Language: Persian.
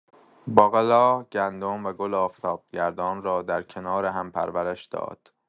باقلا، گندم و گل آفتابگردان را در کنار هم پرورش داد.